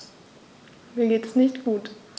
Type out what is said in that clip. Mir geht es nicht gut.